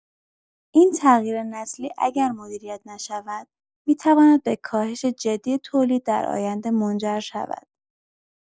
این تغییر نسلی اگر مدیریت نشود، می‌تواند به کاهش جدی تولید در آینده منجر شود.